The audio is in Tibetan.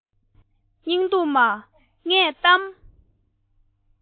སྙིང སྡུག མ ངས གཏམ